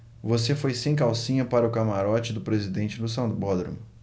você foi sem calcinha para o camarote do presidente no sambódromo